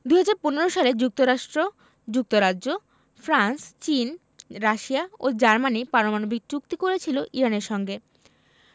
২০১৫ সালে যুক্তরাষ্ট্র যুক্তরাজ্য ফ্রান্স চীন রাশিয়া ও জার্মানি পারমাণবিক চুক্তি করেছিল ইরানের সঙ্গে